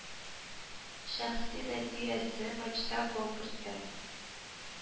Шәхси нәти әсе матчта гол керткән